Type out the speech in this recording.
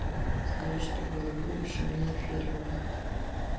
скажи что будет в будущем на эфириум